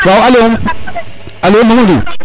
waw alo waaw Alo Mamadou